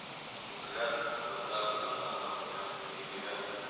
Күперләр турында уйлану аңа күңел рәхәтлеге бирә